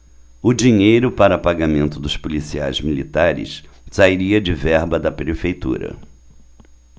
o dinheiro para pagamento dos policiais militares sairia de verba da prefeitura